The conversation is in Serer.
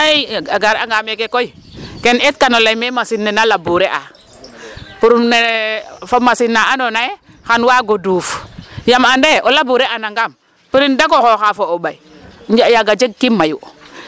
Xaye a gar'anga meke koy ken et kan o lay me machine ne na laboure a pour me fo machine andoona yee xan waag o duuf yaam anda yee o labourer anangaam pour dak o xooxaa fo o ɓay yaaga jegkiim mayu.